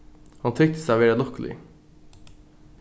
hon tyktist at vera lukkulig